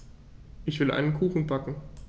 Ich will einen Kuchen backen.